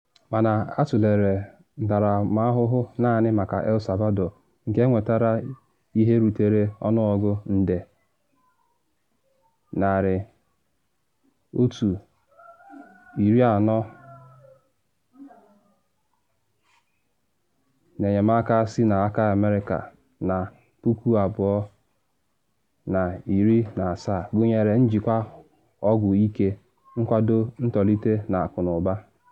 Mana atụlere ntaramahụhụ naanị maka El Salvador, nke nwetara ihe rutere ọnụọgụ nde $140 n’enyemaka si n’aka America na 2017, gụnyere njikwa ọgwụ ike, nkwado ntolite na akụnụba.